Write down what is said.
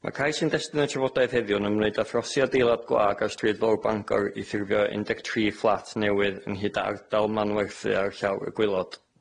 Ma'r cais sy'n destyn y trafodaeth heddiw yn ymwneud â throsi adeilad gwag ar stryd fowr Bangor i ffurfio un deg tri fflat newydd ynghyd â ardal manwerthu ar llawr y gwaelod.